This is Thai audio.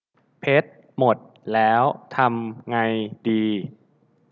เพชรหมดแล้วทำไงดี